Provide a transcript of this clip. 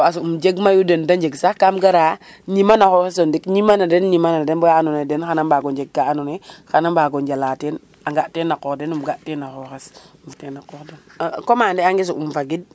a soɓ um jeg mayu den de njeg sax kam gara ñima na xoxes o ndik ñima na den ñima na den bala ando naye den xana mbago njeg ka ando naye xana mbaŋo njala tren a nga tena qox ten um ga tena xoxes de nga tena qox den um commander ange soɓ um faŋiɗ